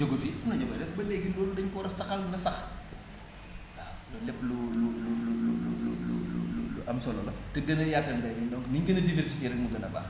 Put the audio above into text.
jógu fi am na ñu koy def ba léegi loolu dañ ko war a saxal na sax waaw loolu lépp lu lu lu lu lu lu lu am solo te gën a yaatal mbay mi donc ni ñu gën a diversifier rekk mu gën a baax